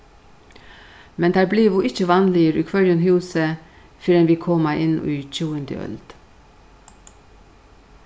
men teir blivu ikki vanligir í hvørjum húsi fyrr enn vit koma inn í tjúgundu øld